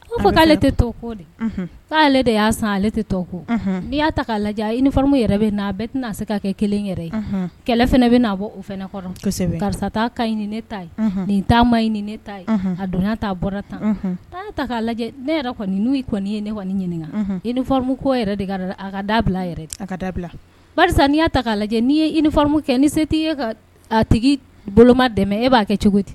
A fɔ k'ale ale tɛ to ko de k' de y'a san ale tɛ to ko n'i y'a ta'a lajɛ imu yɛrɛ bɛa bɛ tɛna'a se k' kɛ kelen yɛrɛ ye kɛlɛ bɛ'a bɔ o fana kɔrɔ karisa ka ne ta nin taa ne ta ye a donna t'a bɔra tan taa ta k'a lajɛ ne yɛrɛ nin n'u kɔni ye ne kɔni ɲininkaka i nimu ko yɛrɛ de a ka da a da karisa n'i y' ta' lajɛ n'i ye i nimu kɛ ni se' ii ye ka tigi boloma dɛmɛ e b'a kɛ cogo di